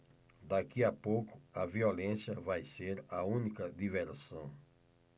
daqui a pouco a violência vai ser a única diversão